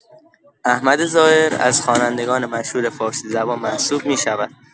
احمد ظاهر از خوانندگان مشهور فارسی‌زبان محسوب می‌شود.